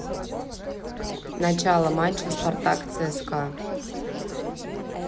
начало матча спартак цска